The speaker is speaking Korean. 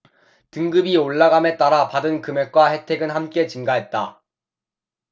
등급이 올라감에 따라 받은 금액과 혜택은 함께 증가했다